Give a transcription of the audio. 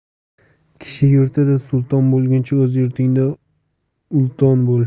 kishi yurtida sulton bo'lguncha o'z yurtingda ulton bo'l